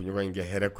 Ɲɔgɔn kɛ hɛrɛ tun ye